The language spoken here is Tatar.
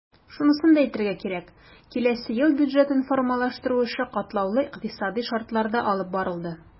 Шунысын да әйтергә кирәк, киләсе ел бюджетын формалаштыру эше катлаулы икътисадый шартларда алып барылды.